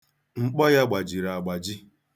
Mkpọ ya gbajiri agbaji.